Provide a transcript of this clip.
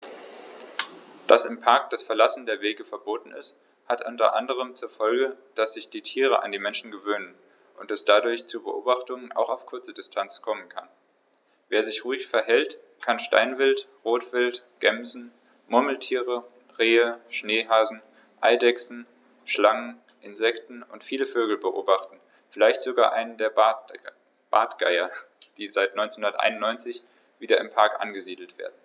Dass im Park das Verlassen der Wege verboten ist, hat unter anderem zur Folge, dass sich die Tiere an die Menschen gewöhnen und es dadurch zu Beobachtungen auch auf kurze Distanz kommen kann. Wer sich ruhig verhält, kann Steinwild, Rotwild, Gämsen, Murmeltiere, Rehe, Schneehasen, Eidechsen, Schlangen, Insekten und viele Vögel beobachten, vielleicht sogar einen der Bartgeier, die seit 1991 wieder im Park angesiedelt werden.